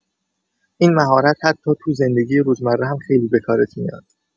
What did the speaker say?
این مهارت حتی تو زندگی روزمره هم خیلی به کارت میاد.